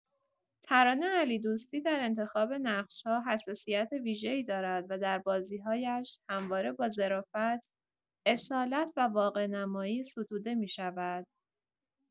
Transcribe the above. ترانه علیدوستی در انتخاب نقش‌ها حساسیت ویژه‌ای دارد و بازی‌هایش همواره با ظرافت، اصالت و واقع‌نمایی ستوده می‌شود.